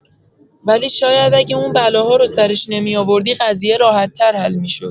ولی شاید اگه اون بلاها رو سرش نمی‌آوردی قضیه راحت‌تر حل می‌شد.